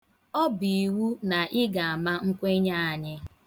Ọ bụ iwu na ị ga-ama nkwenye anyị.